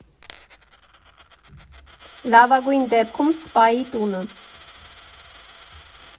Լավագույն դեպքում Սպայի տունը։